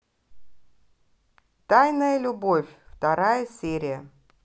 тайная любовь вторая серия